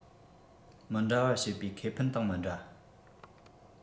མི འདྲ བ བྱེད པོའི ཁེ ཕན དང མི འདྲ